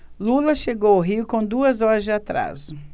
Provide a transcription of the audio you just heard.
lula chegou ao rio com duas horas de atraso